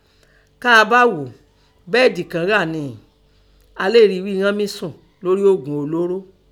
Ká a bá gho bẹ́ẹ̀dì káa ghà níhìn ín, a lè rí i pé inan mí sùn lórí òògùn olóró.